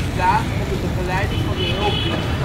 plaats onder begeleiding van de hulpdiensten